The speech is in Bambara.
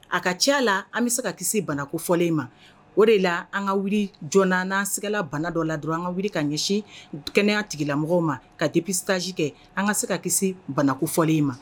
A ka cɛ la an bɛ se ka kisi banakofɔlen ma o de la an ka wuli jan sɛgɛigala bana dɔ la dɔrɔn an ka wuli ka ɲɛsin kɛnɛya tigila mɔgɔw ma ka diptaji kɛ an ka se ka kisi banakofɔlen ma